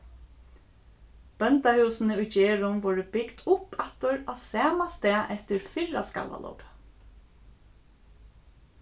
bóndahúsini í gerðum vórðu bygd upp aftur á sama stað eftir fyrra skalvalopið